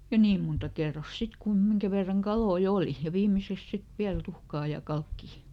ja niin monta kerrosta sitten kuin minkä verran kaloja oli ja viimeiseksi sitten vielä tuhkaa ja kalkkia